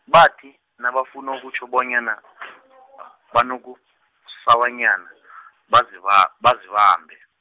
bathi, nabafuna ukutjho bonyana , banokusabanyana , baziba- bazibambe.